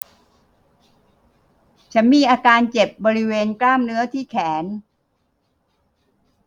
ฉันมีอาการเจ็บบริเวณกล้ามเนื้อที่แขน